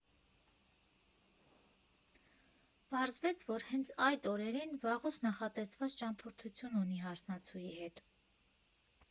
Պարզվեց, որ հենց այդ օրերին վաղուց նախատեսված ճամփորդություն ունի հարսնացուի հետ։